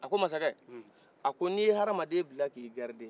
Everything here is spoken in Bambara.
a ko masakɛ a ko i ye hadamaden bila k'i garde